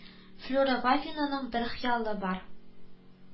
Флюра Вафинаның бер хыялы бар